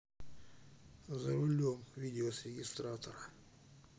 за рулем видео с регистратора